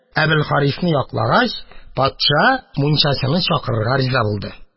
Әбелхарисны яклагач, патша мунчачыны чакыртырга риза булды.